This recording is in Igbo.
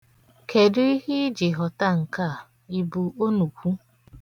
Kedu ihe iji họta nke a? Ị bụ onukwu?